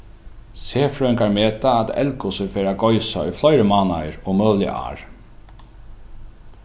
serfrøðingar meta at eldgosið fer at goysa í fleiri mánaðir og møguliga ár